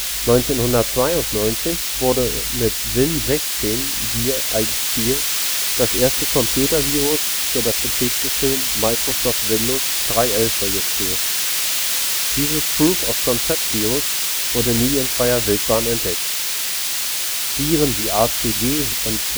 1992 wurde mit Win16.Vir_1_4 das erste Computervirus für das Betriebssystem Microsoft Windows 3.11 registriert. Dieses Proof-of-Concept-Virus wurde nie in „ freier Wildbahn “entdeckt. Viren wie ACG und OneHalf